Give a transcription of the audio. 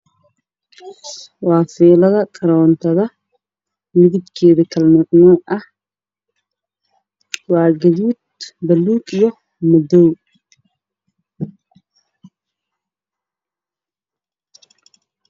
Waa fiilo korantada buluug ah guduud